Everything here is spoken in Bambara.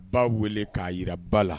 Ba wele k'a jira ba la